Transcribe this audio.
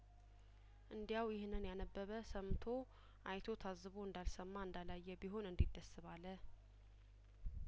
እንዲያው ይህንን ያነበበ ሰምቶ አይቶ ታዝቦ እንዳልሰማ እንዳላየ ቢሆን እንዴት ደስ ባለ